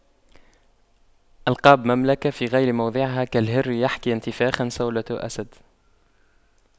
ألقاب مملكة في غير موضعها كالهر يحكي انتفاخا صولة الأسد